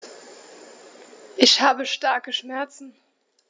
Ich habe starke Schmerzen.